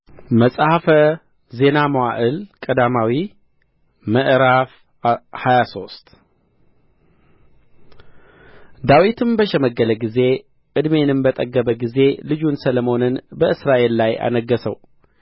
መጽሐፈ ዜና መዋዕል ቀዳማዊ ምዕራፍ ሃያ ሶስት ዳዊትም በሸመገለ ጊዜ ዕድሜንም በጠገበ ጊዜ ልጁን ሰሎሞንን በእስራኤል ላይ አነገሠው